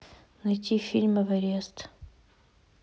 найти фильм эверест